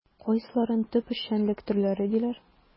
Кайсыларын төп эшчәнлек төрләре диләр?